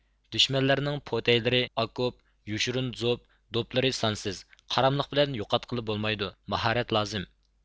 دۈشمەنلەرنىڭ پوتەيلىرى ئاكوپ يوشۇرۇن زوپ دوپلىرى سانسىز قاراملىق بىلەن يوقاتقىلى بولمايدۇ ماھارەت لازىم